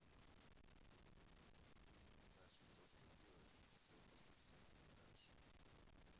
дальше то что делать все подключи блин дальше